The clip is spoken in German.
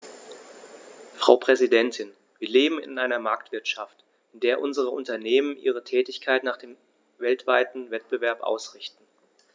Frau Präsidentin, wir leben in einer Marktwirtschaft, in der unsere Unternehmen ihre Tätigkeiten nach dem weltweiten Wettbewerb ausrichten.